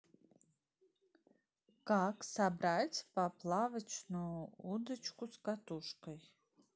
как собрать поплавочную удочку с катушкой